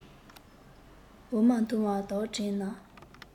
འོ མ འཐུང བ དག དྲན ན